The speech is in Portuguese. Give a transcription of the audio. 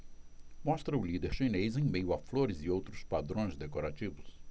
mostra o líder chinês em meio a flores e outros padrões decorativos